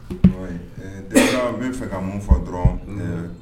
n bɛ fɛ ka mun fɔ dɔrɔn